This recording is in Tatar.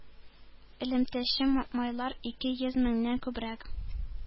Элемтәче маэмайлар ике йөз меңнән күбрәк